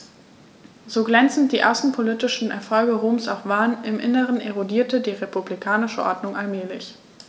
So glänzend die außenpolitischen Erfolge Roms auch waren: Im Inneren erodierte die republikanische Ordnung allmählich.